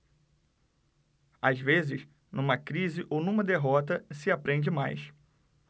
às vezes numa crise ou numa derrota se aprende mais